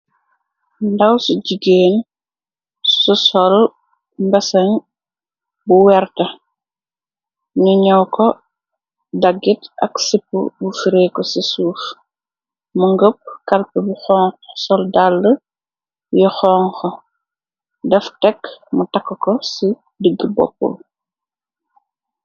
Ndaw ci jigeen cu sol mbesañ bu werta ñu ñëw ko daggit ak sip bu fireeku ci suuf mu ngëpp kalp bu xonx soldall yu xonxo daf tekk mu taka ko ci diggi boppo bi.